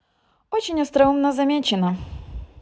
очень остроумно замечено